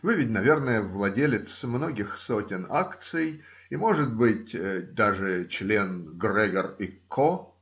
Вы ведь, наверное, владелец многих сотен акций и, может быть, даже член "Грегер и Ко".